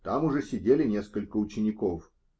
Там уже сидели несколько учеников.